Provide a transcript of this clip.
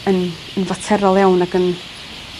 yn yn faterol iawn ac yn